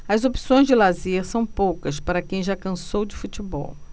as opções de lazer são poucas para quem já cansou de futebol